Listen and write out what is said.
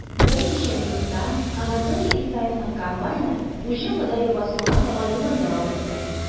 Берничә минуттан Анатолий Исаевның комбайны уҗым бодае басуына таба юлын дәвам итте.